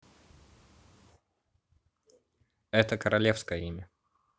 это королевское имя